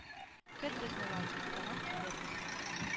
Көт безне, лагерь, тагын килербез